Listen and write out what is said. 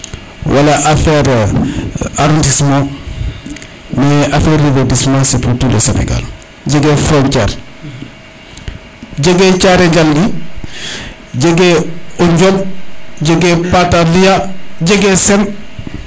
wala affaire arrondissement mais affaire reverdissement c' est pour tout le Senengal jege frontiere jege Thiare Ndialgi jege o Ndiop jege Patalien jege sen